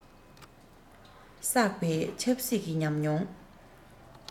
བསགས པའི ཆབ སྲིད ཀྱི ཉམས མྱོང